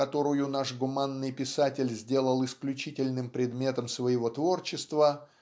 которую наш гуманный писатель сделал исключительным предметом своего творчества